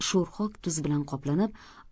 sho'rxok tuz bilan qoplanib